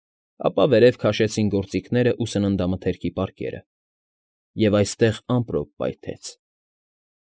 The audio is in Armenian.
Ապա վերև քաշեցին գործիքներն ու սննդամթերքի պարկերը… Եվ այստեղ ամպրոպ պայթեց։